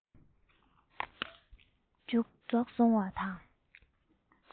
མཇུག རྫོགས སོང བ དང